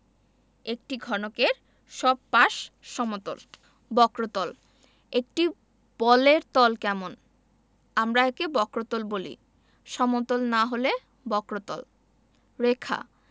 একটি ঘনকের সব পাশ সমতল বক্রতলঃ একটি বলের তল কেমন আমরা একে বক্রতল বলি সমতল না হলে বক্রতল রেখাঃ